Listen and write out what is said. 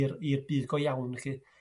i'r i'r bydd go iawn 'll.